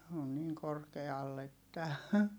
on niin korkealla että